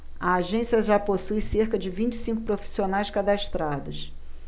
a agência já possui cerca de vinte e cinco profissionais cadastrados